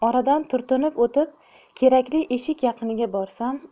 oradan turtinib o'tib kerakli eshik yaqiniga borsam